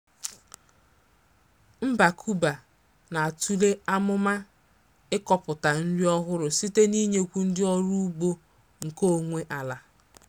Mba Kuba na-atule amụma ịkọpụta nrị ọhụrụ site n'ịnyekwu ndị ọrụ ugbo nkeonwe ala.